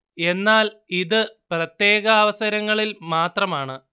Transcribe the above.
എന്നാൽ ഇത് പ്രത്യേക അവസരങ്ങളിൽ മാത്രമാണ്